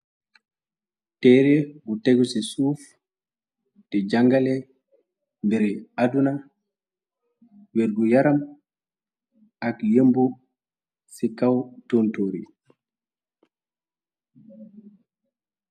téere bu tegu ci suuf di jangale mbiri adduna wérgu yaram ak yemb ci kaw tuntuur yi